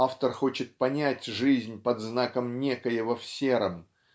автор хочет понять жизнь под знаком Некоего в сером